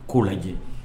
Kow lajɛ